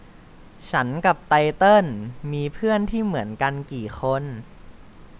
ฉันกับไตเติ้ลมีเพื่อนที่เหมือนกันกี่คน